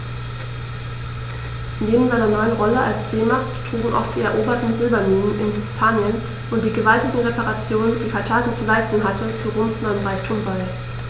Neben seiner neuen Rolle als Seemacht trugen auch die eroberten Silberminen in Hispanien und die gewaltigen Reparationen, die Karthago zu leisten hatte, zu Roms neuem Reichtum bei.